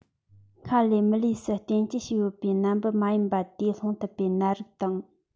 སྔར ནས མི ལུས སུ རྟེན སྐྱེས བྱས ཡོད པའི ནད འབུ མ ཡིན པ དེས སློང ཐུབ པའི ནད རིགས དང